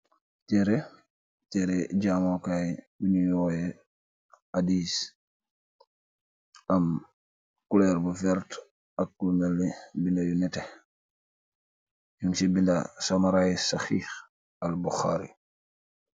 Tereh tereh jamu kai bu nyu oyeh hadith aam colur bu vertah ak lu mel ni benda yu neeteh nyun si benda summarize hadith al buhari.